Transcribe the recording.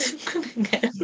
Dim cwningen!